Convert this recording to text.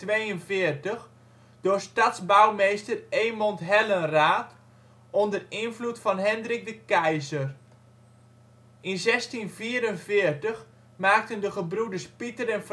1618 en 1642 door stadsbouwmeester Emond Hellenraet onder invloed van Hendrick de Keyser. In 1644 maakten de gebroeders Pieter en